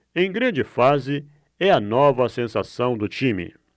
em grande fase é a nova sensação do time